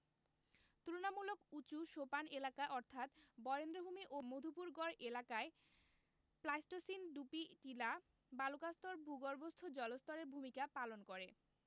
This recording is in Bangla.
তুলনামূলক উঁচু সোপান এলাকা অর্থাৎ বরেন্দ্রভূমি ও মধুপুরগড় এলাকায় প্লাইসটোসিন ডুপি টিলা বালুকাস্তর ভূগর্ভস্থ জলস্তরের ভূমিকা পালন করে